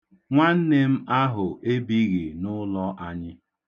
Nwanne m ahụ ebighị n'ụlọ anyị.